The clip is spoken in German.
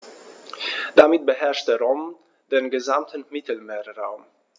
Damit beherrschte Rom den gesamten Mittelmeerraum.